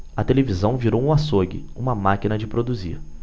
a televisão virou um açougue uma máquina de produzir